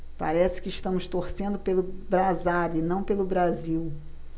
parece que estamos torcendo pelo brasário e não pelo brasil